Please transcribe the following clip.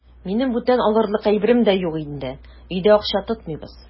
Минем бүтән алырлык әйберем дә юк инде, өйдә акча тотмыйбыз.